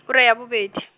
ura ya bobedi.